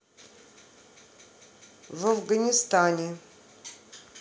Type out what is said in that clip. в афганистане